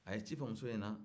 a ye ci fɔ muso ɲɛna